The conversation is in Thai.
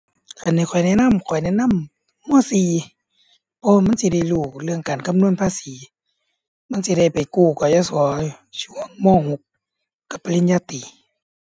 คันให้ข้อยแนะนำ ข้อยแนะนำ ม. สี่ เพราะว่ามันสิได้รู้เรื่องการคำนวณภาษี มันสิได้ไปกู้ กยศ. ช่วงม. หก กับปริญญาตรี